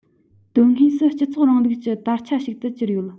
དོན དངོས སུ སྤྱི ཚོགས རིང ལུགས ཀྱི དར ཆ ཞིག ཏུ གྱུར ཡོད